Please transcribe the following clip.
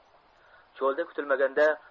cho'lda kutilmaganda